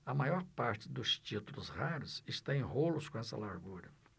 a maior parte dos títulos raros está em rolos com essa largura